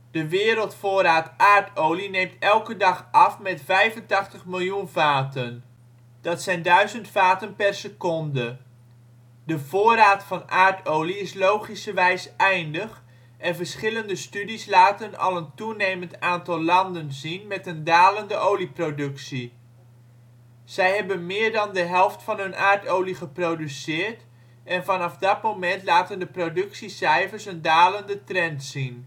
De wereldvoorraad aardolie neemt elke dag af met 85 miljoen vaten. Dat zijn 1000 vaten per seconde. De voorraad van aardolie is logischerwijs eindig en verschillende studies laten al een toenemend aantal landen zien met een dalende olieproductie [bron?]. Zij hebben meer dan de helft van hun aardolie geproduceerd en vanaf dat moment laten de productiecijfers een dalende trend zien